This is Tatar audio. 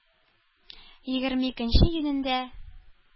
Егерме икенче июнендә